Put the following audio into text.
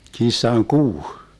kissan kuu